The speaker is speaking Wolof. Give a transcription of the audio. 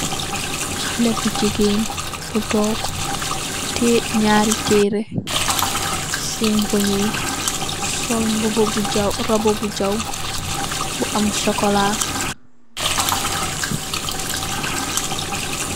Xalèh bu gigeen bu tóóg teyeh ñaari terreh siiñ bang yi sol rubo bu jaw bu am sokola.